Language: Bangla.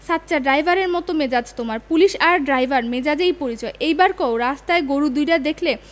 সাচ্চা ড্রাইভারের মত মেজাজ তোমার পুলিশ আর ড্রাইভার মেজাজেই পরিচয় এইবার কও রাস্তায় গরু দুইডা দেখলে